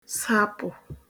sapụ̀